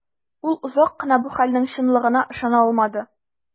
Ул озак кына бу хәлнең чынлыгына ышана алмады.